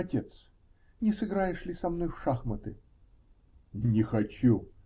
-- Отец, не сыграешь ли со мной в шахматы? -- Не хочу.